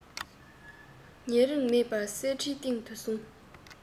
ཉེ རིང མེད པར གསེར ཁྲིའི ཐོགས ནས བཟུང